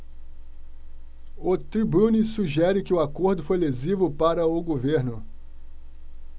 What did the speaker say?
o tribune sugere que o acordo foi lesivo para o governo